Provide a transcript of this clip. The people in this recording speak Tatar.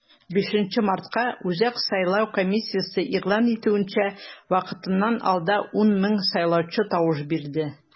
5 мартка, үзәк сайлау комиссиясе игълан итүенчә, вакытыннан алда 10 мең сайлаучы тавыш бирде.